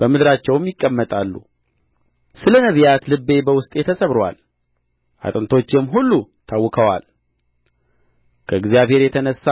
በምድራቸውም ይቀመጣሉ ስለ ነቢያት ልቤ በውስጤ ተሰብሮአል አጥንቶቼም ሁሉ ታውከዋል ከእግዚአብሔር የተነሣ